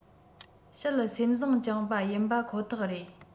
བཤད སེམས བཟང བཅངས པ ཡིན པ ཁོ ཐག རེད